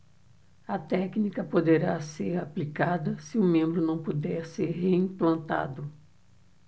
a técnica poderá ser aplicada se o membro não puder ser reimplantado